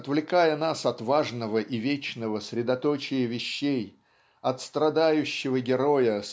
отвлекая нас от важного и вечного средоточия вещей от страдающего героя